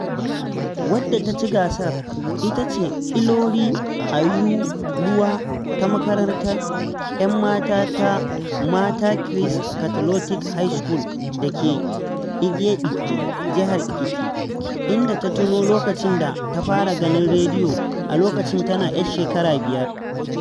Wadda ta ci gasar ita ce Ìlọ̀rí Ayọ̀olúwa ta makarantar 'yan mata ta Mater Christi Catholic Girls' High School da ke Igede, Jihar Ekiti, inda ta tuno lokacin da ta fara ganin rediyo a lokacin tana 'yar shekara 5: